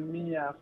Amiina